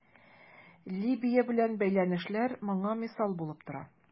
Либия белән бәйләнешләр моңа мисал булып тора.